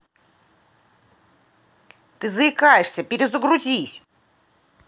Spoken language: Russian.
ты заикаешься перезагрузись